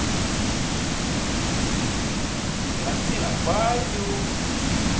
афина баю